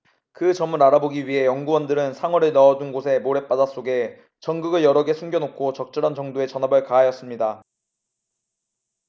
그 점을 알아보기 위해 연구원들은 상어를 넣어 둔 곳의 모랫바닥 속에 전극을 여러 개 숨겨 놓고 적절한 정도의 전압을 가하였습니다